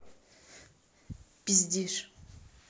пиздишь